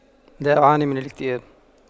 لا أعاني من الاكتئاب